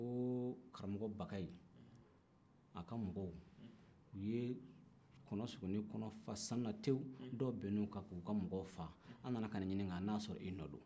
ko karamɔgɔ bakayi a ka mɔgɔw u ye kɔnɔsogoni kɔnɔ fa sanu na tewu dɔw binna u kan k'u ka mɔgɔw faga an nan'i ɲininka n'a y'a sɔrɔ i nɔ don